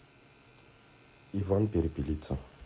иван перепелица